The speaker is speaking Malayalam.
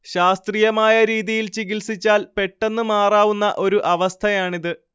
ശാസ്ത്രീയമായ രീതിയിൽ ചികിത്സിച്ചാൽ പെട്ടെന്നു മാറാവുന്ന ഒരു അവസ്ഥയാണിത്